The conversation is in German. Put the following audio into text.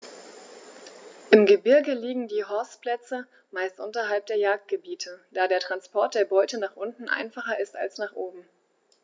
Im Gebirge liegen die Horstplätze meist unterhalb der Jagdgebiete, da der Transport der Beute nach unten einfacher ist als nach oben.